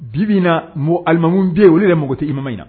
Bi bɛ na mo alimamu bɛ olu de yɛrɛ mɔgɔ tɛ i ma min na